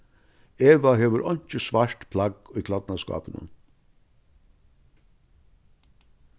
eva hevur einki svart plagg í klædnaskápinum